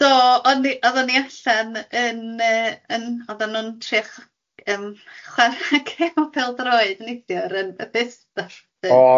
Do o'n ni oedda ni allan yn yy yn oeddan nhw'n trio ch- yym chwara gêm pêl-droed neithiwr yn y bus stop lly.